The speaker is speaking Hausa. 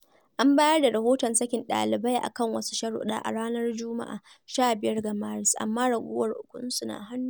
An bayar da rahoton sakin ɗaliban a kan wasu sharuɗa a ranar Juma'a 15 ga Maris, amma ragowar ukun suna hannu.